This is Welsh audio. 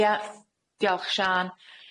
Ia diolch Siân.